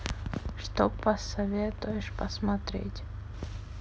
что посоветуешь посмотреть